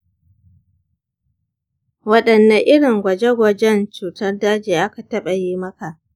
wadanne irin gwaje-gwajen cutar daji aka taɓa yi maka?